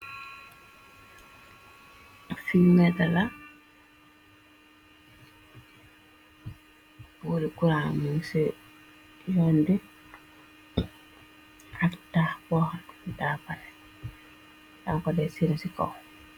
Finetala boori kura nu ci yonde ak tax boxar dapare danko de seni ci kaw.